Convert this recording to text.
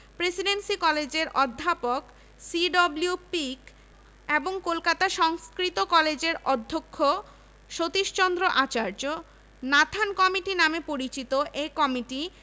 committee অতি দ্রুত ২৫টি বিশেষ উপকমিটির পরামর্শ গ্রহণ করে এবং ওই বছর শরৎকালের মধ্যেই তাদের প্রতিবেদন পেশ করে